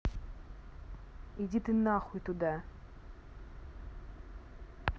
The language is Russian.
иди ты нахуй туда